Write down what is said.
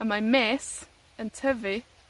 A mae mes yn tyfu